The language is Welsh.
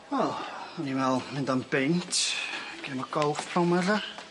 Wel o'n i'n me'wl mynd am beint, gêm o gôlff pnawn 'ma ella?